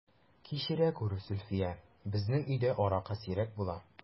Кичерә күр, Зөлфия, безнең өйдә аракы сирәк була...